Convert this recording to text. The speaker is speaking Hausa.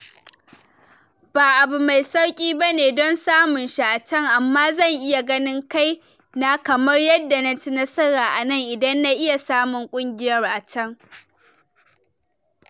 "Ba abu mai sauki ba ne don samun shi a can, amma zan iya ganin kai na kamar yadda na ci nasara a nan idan na iya samun kungiyar a can."